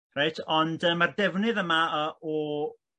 Reit ond yy ma'r defnydd yma yy o